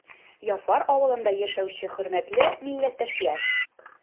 Яфар авылында яшәүче хөрмәтле милләттәшләр!